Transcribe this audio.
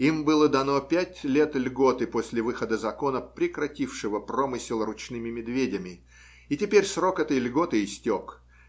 Им было дано пять лет льготы после выхода закона, прекратившего промысел ручными медведями, и теперь срок этой льготы истек